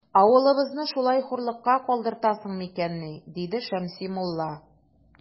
Авылыбызны шулай хурлыкка калдыртасың микәнни? - диде Шәмси мулла.